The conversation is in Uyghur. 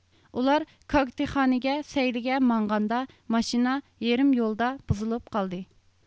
ئۇلار كاگتىخانىگە سەيلىگە ماڭغاندا ماشىنا يېرىم يولدا بۇزۇلۇپ قالدى